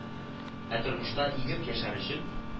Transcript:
Ә тормышта иңеп яшәр өчен